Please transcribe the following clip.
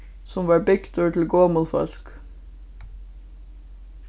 sum varð bygdur til gomul fólk